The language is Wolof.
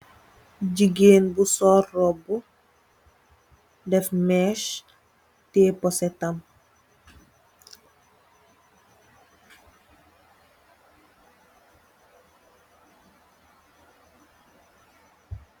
Jigeen bu sol rubbo deff mess tiyeh pusetam.